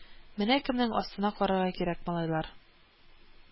Менә кемнең астын карарга кирәк, малайлар